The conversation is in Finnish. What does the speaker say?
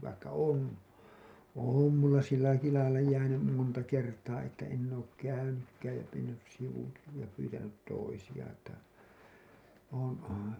vaikka on on minulla sillä lailla lailla jäänyt monta kertaa että en ole käynytkään ja mennyt sivu ja pyytänyt toisia tai olen on